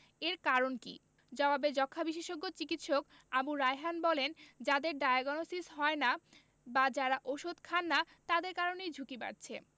এর কারণ কী জবাবে যক্ষ্মা বিশেষজ্ঞ চিকিৎসক আবু রায়হান বলেন যাদের ডায়াগনসিস হয় না বা যারা ওষুধ খান না তাদের কারণেই ঝুঁকি বাড়ছে